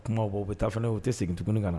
Kumabaw bɛ taa u tɛ segin tugun kana na